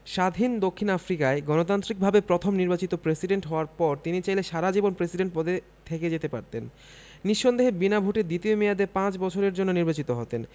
স্বাধীন দক্ষিণ আফ্রিকায় গণতান্ত্রিকভাবে প্রথম নির্বাচিত প্রেসিডেন্ট হওয়ার পর তিনি চাইলে সারা জীবন প্রেসিডেন্ট পদে থেকে যেতে পারতেন নিঃসন্দেহে বিনা ভোটে দ্বিতীয় মেয়াদে পাঁচ বছরের জন্য নির্বাচিত হতেন